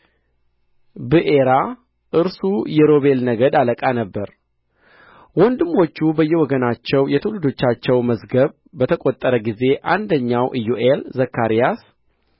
ብኤራ እርሱ የሮቤል ነገድ አለቃ ነበረ ወንድሞቹ በየወገናቸው የትውልዶቻቸው መዝገብ በተቈጠረ ጊዜ አንደኛው ኢዮኤል ዘካርያስ